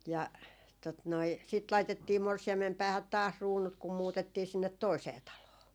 ja tuota noin sitten laitettiin morsiamen päähän taas kruunut kun muutettiin sinne toiseen taloon